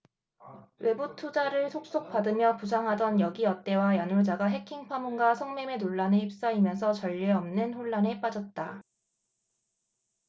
외부투자를 속속 받으며 부상하던 여기어때와 야놀자가 해킹 파문과 성매매 논란에 휩싸이면서 전례 없는 혼란에 빠졌다